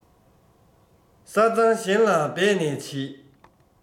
ས གཙང གཞན ལ འབད ནས འབྱིད